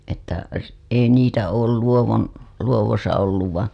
että - ei niitä ole Luodon Luodossa ollut vaan